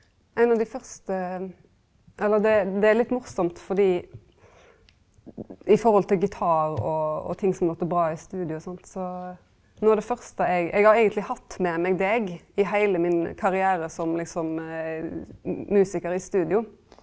ein av dei første eller det det er litt morosamt fordi i forhold til gitar og og ting som læt bra i studio og sånt så noko av det første eg eg har eigentleg hatt med meg deg i heile min karriere som liksom musikar i studio.